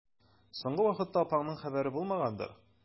Соңгы вакытта апаңның хәбәре булмагандыр?